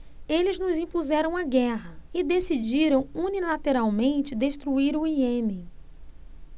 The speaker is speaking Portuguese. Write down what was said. eles nos impuseram a guerra e decidiram unilateralmente destruir o iêmen